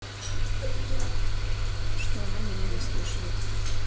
что она меня не слушает